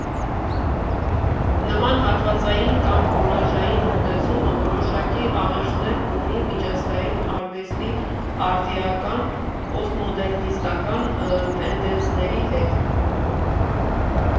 Նման հատվածային կամ «կոլաժային» մոտեցումը որոշակի աղերսներ ունի միջազգային արվեստի արդիական (պոստմոդեռնիստական) տենդեցների հետ։